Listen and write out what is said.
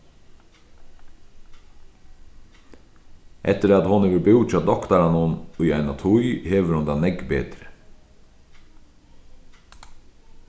eftir at hon hevur búð hjá doktaranum í eina tíð hevur hon tað nógv betri